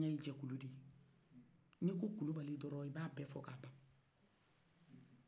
bamanya ye jɛkulu de ye ni ko kulubaliw dɔrɔ i b'a bɛ fɔ ka ban